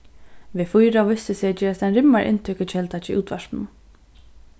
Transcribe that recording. v4 vísti seg at gerast ein rimmar inntøkukelda hjá útvarpinum